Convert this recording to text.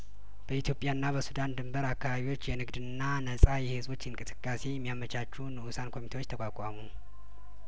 በኢትዮጵያ ና በሱዳን ድንበር አካባቢዎች የንግድና ነጻ የህዝቦች እንቅስቃሴ የሚያመቻቹ ንኡሳን ኮሚቴዎች ተቋቋሙ